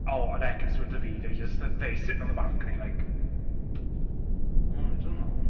Oh and Ekin Su and Davide just th- there sitting on the balcony like "Mm I don't know".